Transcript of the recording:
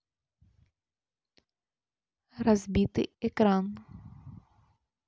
разбитый экран